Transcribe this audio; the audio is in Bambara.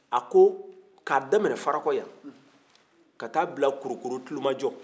a ko ka daminɛ farakɔ yan ka taa bila kulukɔrɔ tulomajɔ